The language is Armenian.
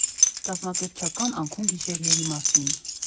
ԿԱԶՄԱԿԵՐՊՉԱԿԱՆ ԱՆՔՈՒՆ ԳԻՇԵՐՆԵՐԻ ՄԱՍԻՆ։